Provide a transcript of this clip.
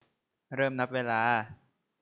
เริ่มนับเวลา